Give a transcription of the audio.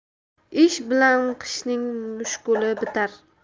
ish bilan qishning mushkuli bitar